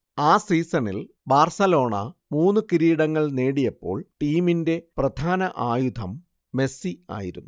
ആ സീസണിൽ ബാർസലോണ മൂന്ന് കിരീടങ്ങൾ നേടിയപ്പോൾ ടീമിന്റെ പ്രധാന ആയുധം മെസ്സി ആയിരുന്നു